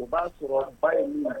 O b'a sɔrɔ a ba ye min